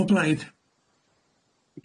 O Blaid.